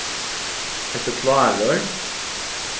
ert tú klárur